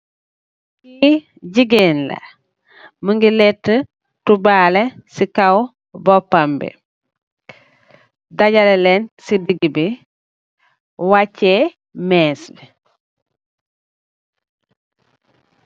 Li jigeen la mogi laaytu tibale si kaw mbopam bi dagalen si degi bi wacheh mess bi.